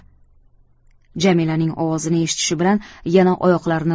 jamilaning ovozini eshitishi bilan yana oyoqlarini